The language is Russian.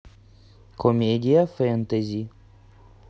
комедия фэнтези